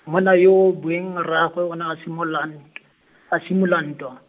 monna yoo o e boeng rraagwe o ne a simola nt-, a simola ntwa.